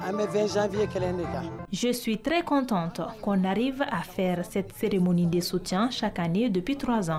An bɛ 20 janvier kɛnɛ de kan je suis très contente qu'on arrive à faire cette cérémonie de soutient chaque année depuis 3 ans